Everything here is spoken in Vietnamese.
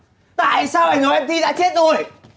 tại sao lại nói thi đã chết rồi